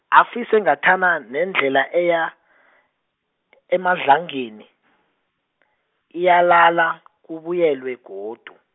afise ngathana nendlela eya , eMadlangeni, iyalala kubuyelwe godu.